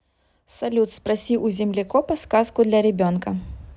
салют спроси у землекопа сказку для ребенка